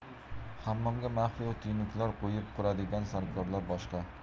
hammomga maxfiy tuynuklar qo'yib quradigan sarkorlar boshqa